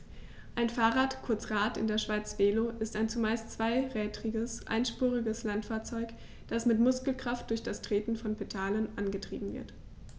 Ein Fahrrad, kurz Rad, in der Schweiz Velo, ist ein zumeist zweirädriges einspuriges Landfahrzeug, das mit Muskelkraft durch das Treten von Pedalen angetrieben wird.